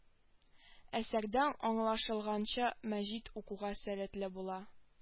Әсәрдән аңлашылганча мәҗит укуга сәләтле була